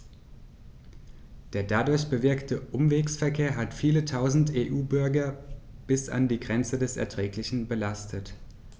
Der dadurch bewirkte Umwegsverkehr hat viele Tausend EU-Bürger bis an die Grenze des Erträglichen belastet.